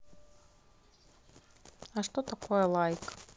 а что такое лайк